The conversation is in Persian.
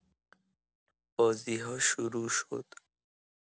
بازی‌ها شروع شد.